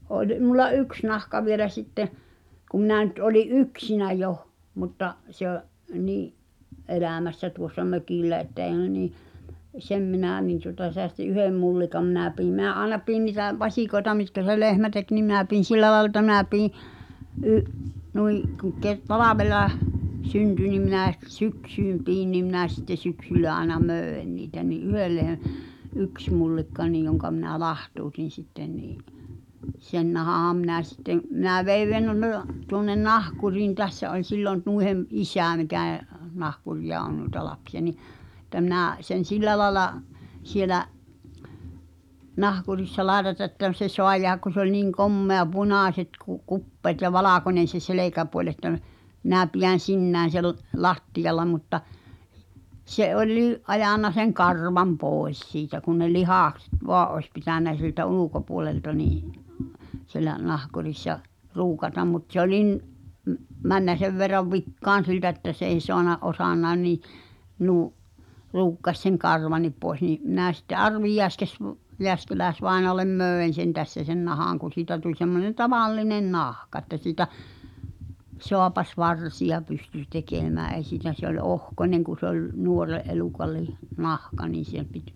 oli minulla yksi nahka vielä sitten kun minä nyt olin yksinään jo mutta se - niin elämässä tuossa mökillä että ei ne niin sen minä niin tuota säästin yhden mullikan minä pidin minä aina pidin niitä vasikoita mitkä se lehmä teki niin minä pidin sillä lailla että minä pidin - noin kun - talvella syntyi niin minä sitten syksyn pidin niin minä sitten syksyllä aina myin niitä niin yhden - yksi mullikka niin jonka minä lahtautin sitten niin sen nahan minä sitten minä vein tuonne nahkuriin tässä oli silloin noiden isä mikä nahkureita on noita lapsia niin että minä sen sillä lailla siellä nahkurissa laitatan että se saa jäädä kun se oli niin komea punaiset - kupeet ja valkoinen se selkäpuoli että - minä pidän sinään sen lattialla mutta se olikin ajanut sen karvan pois siitä kun ne lihakset vain olisi pitänyt siltä ulkopuolelta niin siellä nahkurissa ruukata mutta se olikin - mennyt sen verran vikaan siltä että se ei saanut osannutkaan niin - ruukkasi sen karvankin pois niin minä sitten Arvi --- Jääskeläis-vainajalle myin sen tässä sen nahan kun siitä tuli semmoinen tavallinen nahka että siitä saapasvarsia pystyi tekemään ei siitä se oli ohkainen kun se oli nuoren elukan - nahka niin siihen piti